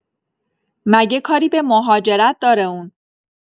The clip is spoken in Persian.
مگه کاری به مهاجرت داره اون؟